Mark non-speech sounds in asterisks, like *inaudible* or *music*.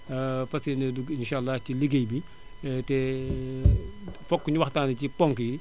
*hesitation* fas yéene dugg incha allah ci ligéey bi *hesitation* te *hesitation* *noise* fokk ñu waxtaanee ci ponk yi